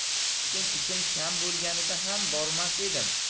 lekin ishim kam bo'lganida ham bormas edim